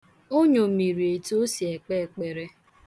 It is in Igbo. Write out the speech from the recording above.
O ṅomiri etu o si ekpe ekpere.